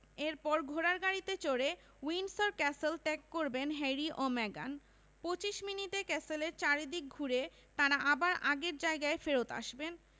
এরপর ঘোড়ার গাড়িতে চড়ে উইন্ডসর ক্যাসেল ত্যাগ করবেন হ্যারি ও মেগান ২৫ মিনিটে ক্যাসেলের চারিদিক ঘুরে তাঁরা আবার আগের জায়গায় ফেরত আসবেন